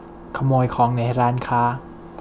ขโมยของในร้านค้า